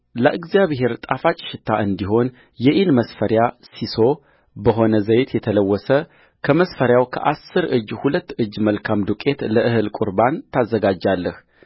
ለእግዚአብሔር ጣፋጭ ሽታ እንዲሆን የኢን መስፈሪያ ሢሶ በሆነ ዘይት የተለወሰ ከመስፈሪያው ከአሥር እጅ ሁለት እጅ መልካም ዱቄት ለእህል ቍርባን ታዘጋጃለህ